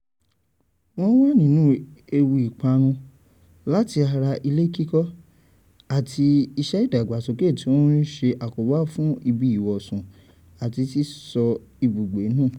Wọ́n wà nínú ewu ìparun láti ara ilé kíkọ́ àti iṣẹ́ ìdàgbàsókè tí ó ń ṣe àkóbá fún ibi ìwọ̀sùn àti sísọ ibùgbé nú.